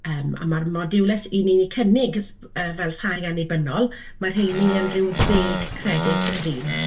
yy, a mae'r modiwlau s- 'y ni'n eu cynnig yy fel rhai anibynnol, mae'r rheiny yn rhyw ddeg credyd yr un.